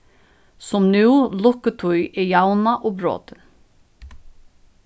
sum nú lukkutíð er javnað og brotin